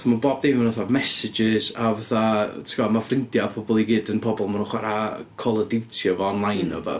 Mae bob dim yn fatha messages a fatha, tibod, ma' ffrindiau a pobl i gyd yn pobl maen nhw'n chwarae Call of Duty efo online... Mm. ...a rywbeth.